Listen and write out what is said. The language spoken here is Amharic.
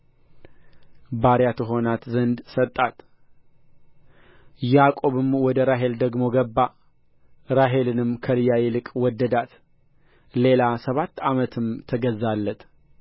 ባርያ ትሆናት ዘንድ ሰጣት ያዕቆብም ወደ ራሔል ደግሞ ገባ ራሔልንም ከልያ ይልቅ ወደዳት ሌላ ሰባት ዓመትም ተገዛለት